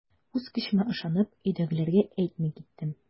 Үз көчемә ышанып, өйдәгеләргә әйтми киттем.